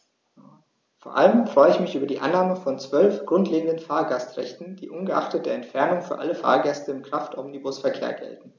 Vor allem freue ich mich über die Annahme von 12 grundlegenden Fahrgastrechten, die ungeachtet der Entfernung für alle Fahrgäste im Kraftomnibusverkehr gelten.